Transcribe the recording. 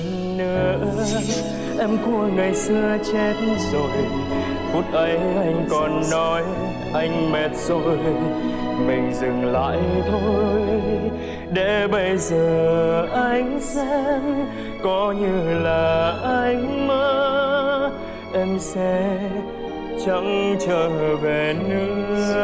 nữa em của ngày xưa chết rồi phút ấy anh còn nói anh mệt rồi mình dừng lại thôi để bây giờ anh xem có như là anh mơ em sẽ chẳng trở về nữa